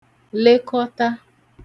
lekọta